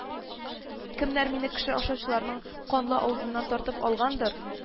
Кемнәр мине кеше ашаучыларның канлы авызыннан тартып алгандыр